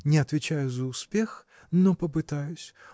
не отвечаю за успех, но попытаюсь.